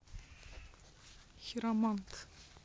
хиромант